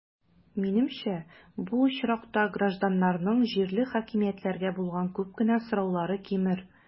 Минемчә, бу очракта гражданнарның җирле хакимиятләргә булган күп кенә сораулары кимер.